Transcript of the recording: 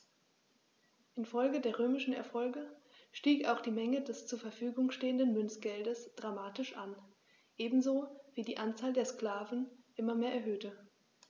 Infolge der römischen Erfolge stieg auch die Menge des zur Verfügung stehenden Münzgeldes dramatisch an, ebenso wie sich die Anzahl der Sklaven immer mehr erhöhte.